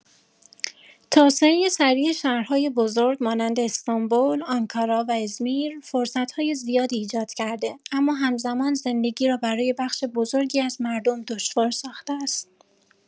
توسعه سریع شهرهای بزرگ مانند استانبول، آنکارا و ازمیر، فرصت‌های زیادی ایجاد کرده اما همزمان زندگی را برای بخش بزرگی از مردم دشوار ساخته است.